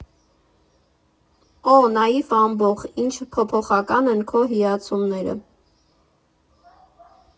Օ՜, նաիվ ամբոխ, ինչ փոփոխական են քո հիացումները։